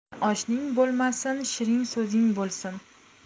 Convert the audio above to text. shirin oshing bo'lmasin shirin so'zing bo'lsin